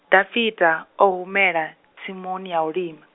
Dafitha, o humela, tsimuni ya u lima.